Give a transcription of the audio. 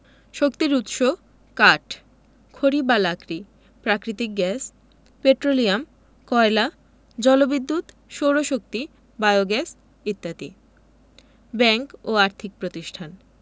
শক্তির উৎসঃ কাঠ খড়ি বা লাকড়ি প্রাকৃতিক গ্যাস পেট্রোলিয়াম কয়লা জলবিদ্যুৎ সৌরশক্তি বায়োগ্যাস ইত্যাদি ব্যাংক ও আর্থিক প্রতিষ্ঠানঃ